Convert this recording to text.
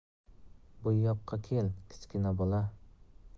bu yoqqa kel kichkina bola